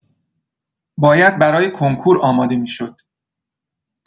باید برای کنکور آماده می‌شد.